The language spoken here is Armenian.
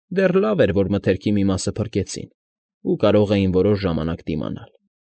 Դեռ լավ էր, որ մթերքի մի մասը փրկեցին ու կարող էին որոշ ժամանակ դիմանալ։